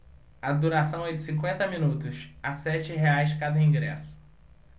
a duração é de cinquenta minutos a sete reais cada ingresso